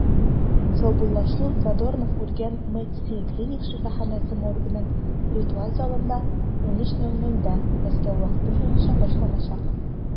Саубуллашу Задорнов үлгән “МЕДСИ” клиник шифаханәсе моргының ритуаль залында 13:00 (мск) башланачак.